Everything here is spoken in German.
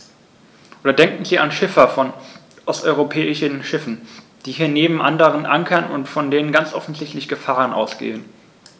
Oder denken Sie an Schiffer von osteuropäischen Schiffen, die hier neben anderen ankern und von denen ganz offensichtlich Gefahren ausgehen.